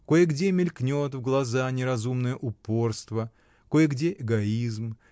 Кое-где мелькнет в глаза неразумное упорство, кое-где эгоизм